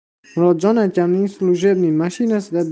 murodjon akamning slujebniy mashinasida